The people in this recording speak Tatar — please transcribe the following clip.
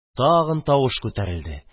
Тагын тавыш күтәрелде.